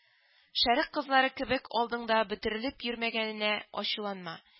Шәрекъ кызлары кебек алдыңда бөтерелеп йөрмәгәненә ачуланма